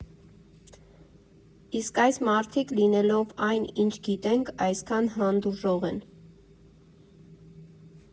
Իսկ այս մարդիկ, լինելով այն, ինչ գիտենք, այսքան հանդուրժող են։